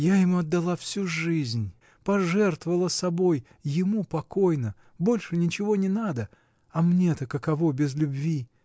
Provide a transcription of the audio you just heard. Я ему отдала всю жизнь, пожертвовала собой: ему покойно, больше ничего не надо, а мне-то каково без любви!